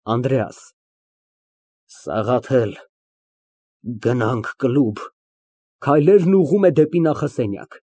ԱՆԴՐԵԱՍ ֊ Սաղաթել, գնանք կլուբ։ (Քայլերն ուղղում է դեպի նախասենյակ)։